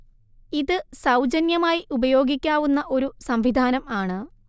ഇത് സൗജന്യമായി ഉപയോഗിക്കാവുന്ന ഒരു സംവിധാനം ആണ്